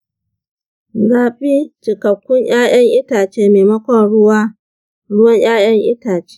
zabi cikakkun ’ya’yan itace maimakon ruwan ’ya’yan itace.